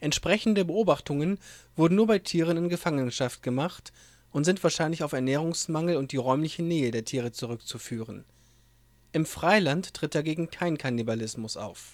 Entsprechende Beobachtungen wurden nur bei Tieren in Gefangenschaft gemacht und sind wahrscheinlich auf Ernährungsmängel und die räumliche Nähe der Tiere zurückzuführen, im Freiland tritt dagegen kein Kannibalismus auf